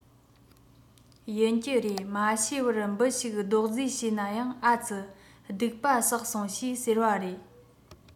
ཡིན གྱི རེད མ ཤེས པར འབུ ཞིག རྡོག རྫིས བྱས ན ཡང ཨ ཙི སྡིག པ བསགས སོང ཞེས ཟེར བ རེད